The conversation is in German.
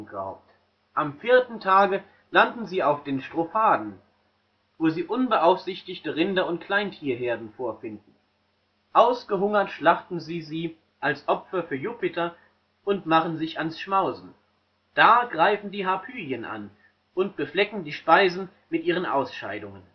raubt. Am vierten Tag landen sie auf den Strophaden, wo sie unbeaufsichtigte Rinder - und Kleintierherden vorfinden. Ausgehungert schlachten sie sie als Opfer für Jupiter und machen sich ans Schmausen, da greifen die Harpyien an und beflecken die Speisen mit ihren Ausscheidungen